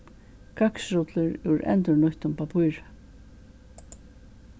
køksrullur úr endurnýttum pappíri